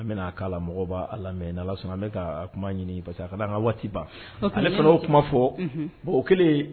An bɛ' mɔgɔ' lamɛn ala sɔnna a bɛ kuma ɲini parce ka an ka waati ban ne fana o kuma fɔ bon o kɛlen